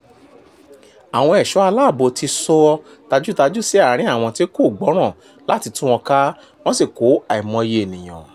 Àwọn ẹ̀ṣọ́ aláàbò ti sọ tajútajú sí àárín àwọn tí kò gbọ́ràn láti tú wọn ká, wọ́n sì kó àìmọye ènìyàn.